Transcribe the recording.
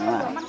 waaw